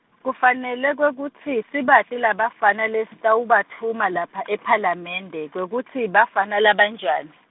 kufanele kwekutsi, sibati labafana lesitawubatfuma lapha ephalamende, kwekutsi, bafana labanjani.